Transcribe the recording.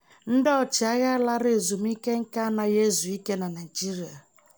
Ndị ọchịagha lara ezumike nka anaghị ezu ike na Naịjirịa